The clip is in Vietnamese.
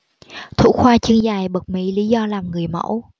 thủ khoa chân dài bật mí lí do làm người mẫu